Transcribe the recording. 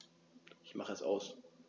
Ich mache es aus.